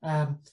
yym